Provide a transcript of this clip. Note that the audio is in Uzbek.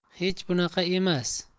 hech bunaqa emas